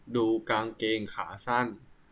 ดูกางเกงขาสั้น